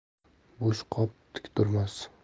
bo'sh qop tik turmas